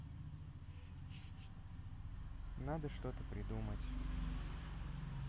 надо что то придумать